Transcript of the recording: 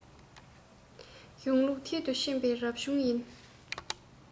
གཞུང ལུགས མཐིལ དུ ཕྱིན པའི རབ བྱུང ཡིན